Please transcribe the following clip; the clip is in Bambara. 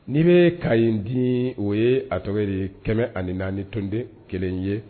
N'i bɛ ka ɲi di o ye ato de ye kɛmɛ ani naani ni tonden kelen ye